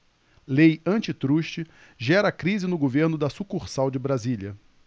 lei antitruste gera crise no governo da sucursal de brasília